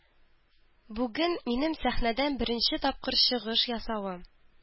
Бүген минем сәхнәдән беренче тапкыр чыгыш ясавым.